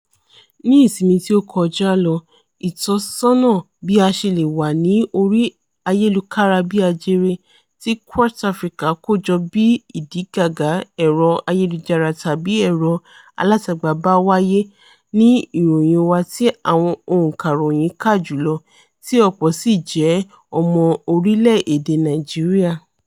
Ní ìsinmi tí ó kọjá lọ, ìtọ́sọ́nà bí a ṣe lè wà ní orí ayélukára-bí-ajere ti Quartz Africa kó jọ bí ìdígàgá ẹ̀rọ-ayélujára tàbí ẹ̀rọ-alátagbà bá wáyé ni ìròyìn-in wá tí àwọn òǹkàròyìn kà jù lọ, tí ọ̀pọ̀ sì jẹ́ ọmọ orílẹ̀-èdè Nàìjíríà.